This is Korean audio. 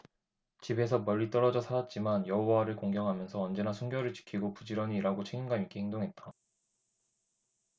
집에서 멀리 떨어져 살았지만 여호와를 공경하면서 언제나 순결을 지키고 부지런히 일하고 책임감 있게 행동했다